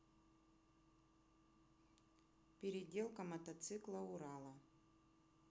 переделка мотоцикла урала